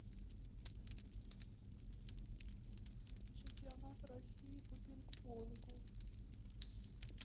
чемпионат россии по пинг понгу